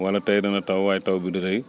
wala tey dana taw waaye taw bi du rëy